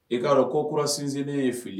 I'a dɔn ko kura sinsennen ye fili